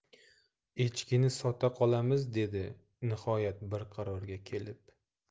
echkini sota qolamiz dedi nihoyat bir qarorga kelib